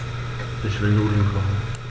Ich will Nudeln kochen.